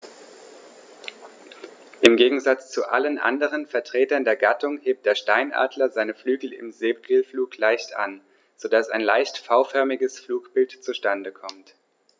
Im Gegensatz zu allen anderen Vertretern der Gattung hebt der Steinadler seine Flügel im Segelflug leicht an, so dass ein leicht V-förmiges Flugbild zustande kommt.